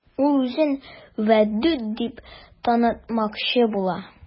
Ул үзен Вәдүт дип танытмакчы була.